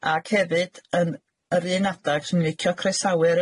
Ac hefyd yn yr un adag swn i'n licio croesawu'r